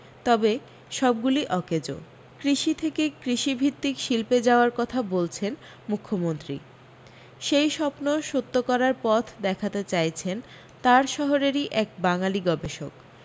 তবে সব গুলী অকেজো কৃষি থেকে কৃষিভিত্তিক শিল্পে যাওয়ার কথা বলছেন মুখ্যমন্ত্রী সেই স্বপ্ন সত্য করার পথ দেখাতে চাইছেন তাঁর শহরেরি এক বাঙালী গবেষক